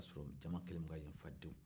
a b'a sɔrɔ jama kɛlen don ka yen fa tew